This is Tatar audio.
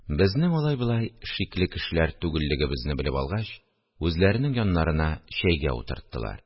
Безнең алай-болай шикле кешеләр түгеллегебезне белеп алгач, үзләренең яннарына чәйгә утырттылар